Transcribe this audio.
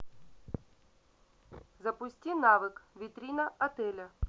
запусти навык витрина отеля